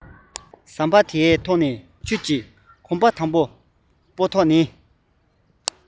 ཐག ཟམ དེའི ཐོག ནས ཁྱོད ཀྱི གོམ པ དང པོ སྤོ ཐབས ཉག གཅིག ནི